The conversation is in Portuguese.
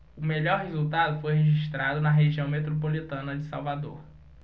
o melhor resultado foi registrado na região metropolitana de salvador